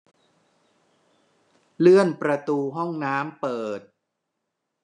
เลื่อนประตูห้องน้ำเปิด